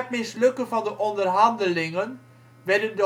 mislukken van de onderhandelingen werden